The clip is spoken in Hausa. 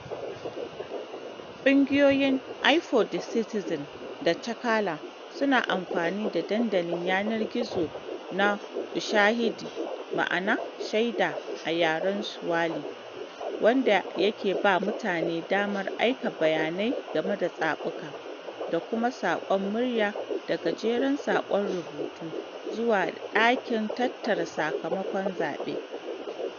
Ƙungiyoyin Eye of the Citizen da Txeka-lá suna amfani da dandalin yanar gizo na Ushahidi (ma’ana “shaida” a yaren Swahili), wanda yake ba mutane damar aika bayanai game da zaɓuka, da kuma saƙon murya da gajeren saƙon rubutu, zuwa “ɗakin tattara sakamakon zaɓe.”